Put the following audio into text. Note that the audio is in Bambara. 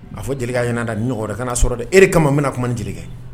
A fɔ jelikɛ ɲɛna da ɲɔgɔn kana sɔrɔ e kama bɛna kuma ni jelikɛ